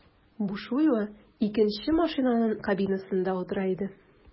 Бушуева икенче машинаның кабинасында утыра иде.